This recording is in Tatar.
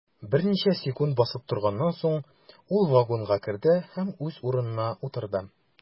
Берничә секунд басып торганнан соң, ул вагонга керде һәм үз урынына утырды.